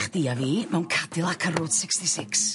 Chdi a fi mewn Cadillac ar route sixty six.